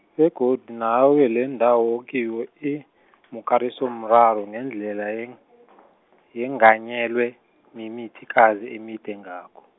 begodu nayo lendawo okiyo imikarisomraro ngendlela yeng- yenganyelwe mimithikazi emide ngakho.